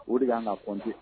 O de' ka kɔnte